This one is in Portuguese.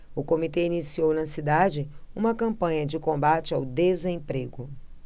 o comitê iniciou na cidade uma campanha de combate ao desemprego